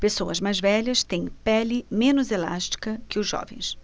pessoas mais velhas têm pele menos elástica que os jovens